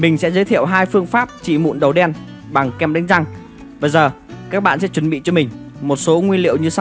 mình sẽ giới thiệu phương pháp trị mụn đầu đen bằng kém đánh răng và giờ các bạn sẽ chuẩn bị cho mình số nguyên liệu như sau